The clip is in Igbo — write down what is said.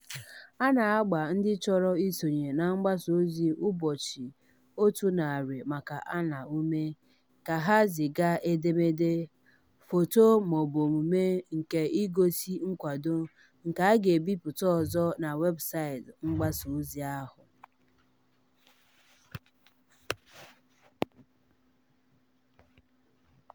A na-agba ndị chọrọ isonye na mgbasa ozi "Ụbọchị 100 maka Alaa" ume ka ha ziga "edemede, foto ma ọ bụ omume nke igosi nkwado" nke a ga-ebipụta ọzọ na webụsaịtị mgbasa ozi ahụ: